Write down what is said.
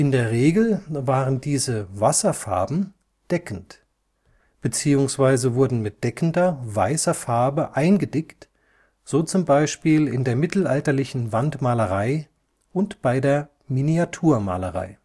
der Regel waren diese Wasserfarben „ deckend “bzw. wurden mit deckender, weißer Farbe eingedickt, so zum Beispiel in der mittelalterlichen Wandmalerei und bei der Miniaturmalerei